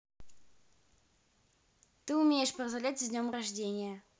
ты умеешь поздравлять с днем рождения